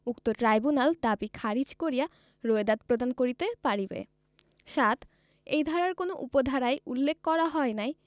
উক্ত ট্রাইব্যুনাল দাবী খারিজ করিয়া রোয়েদাদ প্রদান করিতে পারিবে ৭ এই ধারার কোন উপ ধারায় উল্লেখ করা হয় নাই